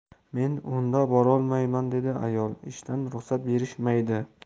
men o'nda borolmayman dedi ayol ishdan ruxsat berishmaydi